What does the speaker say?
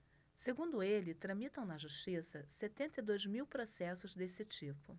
segundo ele tramitam na justiça setenta e dois mil processos desse tipo